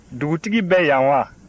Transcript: dugutigi bɛ yan wa